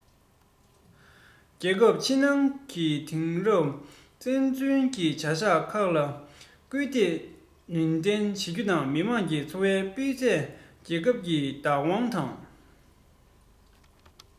རྒྱལ ཁབ ཕྱི ནང གི དེང རབས ཅན འཛུགས སྐྲུན གྱི བྱ གཞག ཁག ལ སྐུལ འདེད ནུས ལྡན ཐེབས རྒྱུ དང མི དམངས ཀྱི འཚོ བའི སྤུས ཚད དང རྒྱལ ཁབ ཀྱི བདག དབང དང